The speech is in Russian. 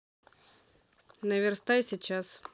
наверстай сейчас